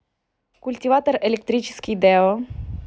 культиватор электрический део